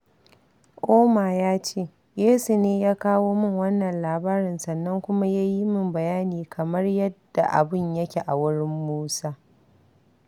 Ouma ya ce, Yesu ne ya kawo min wannan labarin sannan kuma ya yi min bayani kamar yadda abun yake a wurin Musa.